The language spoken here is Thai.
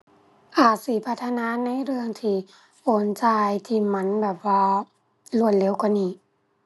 อาจสิพัฒนาในเรื่องที่โอนจ่ายที่มันแบบว่ารวดเร็วกว่านี้